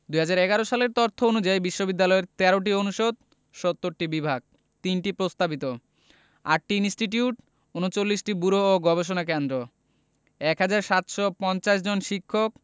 ২০১১ সালের তথ্য অনুযায়ী বিশ্ববিদ্যালয়ে ১৩টি অনুষদ ৭০টি বিভাগ ৩টি প্রস্তাবিত ৮টি ইনস্টিটিউট ৩৯টি ব্যুরো ও গবেষণা কেন্দ্র ১ হাজার ৭৫০ জন শিক্ষক